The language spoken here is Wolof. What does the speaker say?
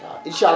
waaw incha allah